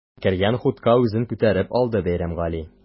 Кергән хутка үзен күтәреп алды Бәйрәмгали.